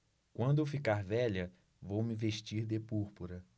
quando eu ficar velha vou me vestir de púrpura